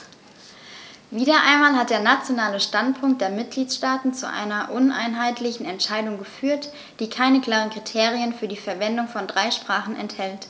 Wieder einmal hat der nationale Standpunkt der Mitgliedsstaaten zu einer uneinheitlichen Entscheidung geführt, die keine klaren Kriterien für die Verwendung von drei Sprachen enthält.